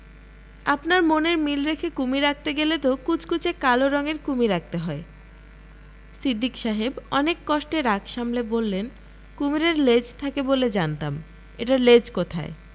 আপনার মনের মিল রেখে কুমীর আঁকতে হলে তো কুচকুচে কাল রঙের কুমীর আঁকতে হয় সিদ্দিক সাহেব অনেক কষ্টে রাগ সামলে বললেন কুমীরের লেজ থাকে বলে জানতাম এটার লেজ কোথায়